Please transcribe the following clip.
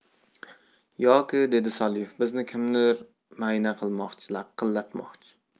yoki dedi soliev bizni kimdir mayna qilmoqchi laqillatmoqchi